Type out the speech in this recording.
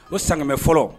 O san 100 fɔlɔ.